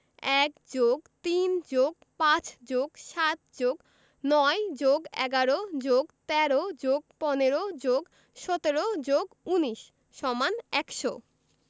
১+৩+৫+৭+৯+১১+১৩+১৫+১৭+১৯=১০০